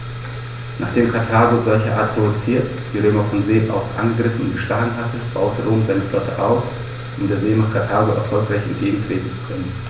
Nachdem Karthago, solcherart provoziert, die Römer von See aus angegriffen und geschlagen hatte, baute Rom seine Flotte aus, um der Seemacht Karthago erfolgreich entgegentreten zu können.